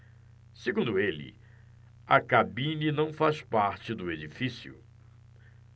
segundo ele a cabine não faz parte do edifício